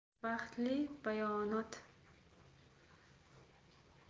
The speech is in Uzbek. bahsli bayonot